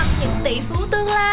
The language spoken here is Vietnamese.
những tỉ phú tương lai